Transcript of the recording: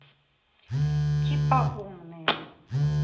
типа умные